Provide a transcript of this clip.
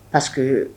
Parce